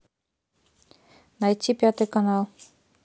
найди пятый канал